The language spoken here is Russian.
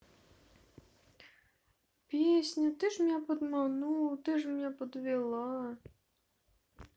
песня ты ж меня пидманула ты ж меня подвела